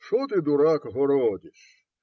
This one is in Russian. - Что ты, дурак, городишь!